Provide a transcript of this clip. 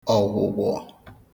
ọ̀gwụ̀gwọ̀